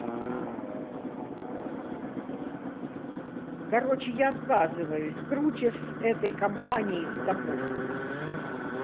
короче я отказываюсь круче с этой компанией с тобой